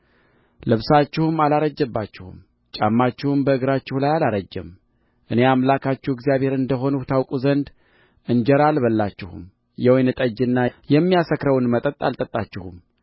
ልብሳችሁም አላረጀባችሁም ጫማችሁም በእግራችሁ ላይ አላረጀም እኔ አምላካችሁ እግዚአብሔር እንደ ሆንሁ ታውቁ ዘንድ እንጀራ አልበላችሁም የወይን ጠጅና የሚያሰክረውን መጠጥ አልጠጣችሁም